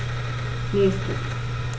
Nächstes.